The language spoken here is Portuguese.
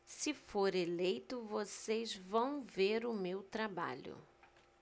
se for eleito vocês vão ver o meu trabalho